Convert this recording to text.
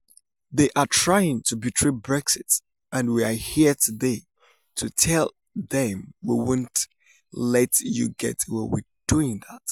They are trying to betray Brexit and we are here today to tell them 'we won't let you get away with doing that'.'